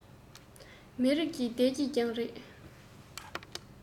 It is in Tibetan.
མི རིགས ཀྱི བདེ སྐྱིད ཡང རེད